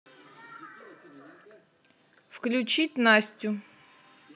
включить настю